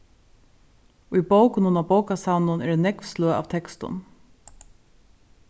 í bókunum á bókasavninum eru nógv sløg av tekstum